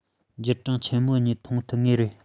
འགྱུར གྲངས ཆེན པོ གཉིས ཐོན ཐུབ ངེས རེད